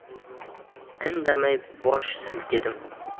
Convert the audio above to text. indamay bosh silkidim